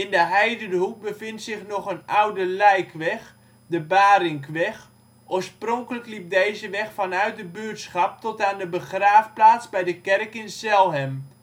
de Heidenhoek bevindt zich nog een oude lijkweg, de Barinkweg. Oorspronkelijk liep deze weg vanuit de buurtschap tot aan de begraafplaats bij de kerk in Zelhem